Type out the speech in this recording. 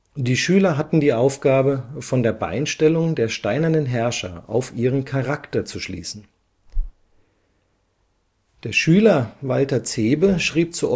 Die Schüler hatten die Aufgabe, von der Beinstellung der steinernen Herrscher auf ihren Charakter zu schließen. Der Schüler Walter Zehbe schrieb zu